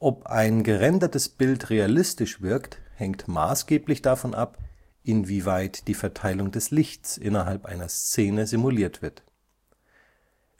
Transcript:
Ob ein gerendertes Bild realistisch wirkt, hängt maßgeblich davon ab, inwieweit die Verteilung des Lichts innerhalb einer Szene simuliert wird.